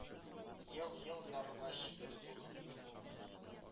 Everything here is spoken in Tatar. Ел-ел ярымга чигерү була.